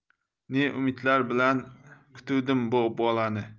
ne umidlar bilan kutuvdim bu bolani